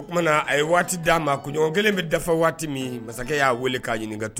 O tumana a ye waati d'a ma koɲɔgɔn kelen bɛ dafa waati min masakɛ y'a wele k'a ɲininka to